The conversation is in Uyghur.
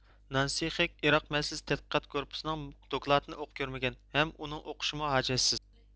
نانسى خېك ئىراق مەسىلىسى تەتقىقات گۇرۇپپىسىنىڭ دوكلاتىنى ئوقۇپ كۆرمىگەن ھەم ئۇنىڭ ئوقۇشىمۇ ھاجەتسىز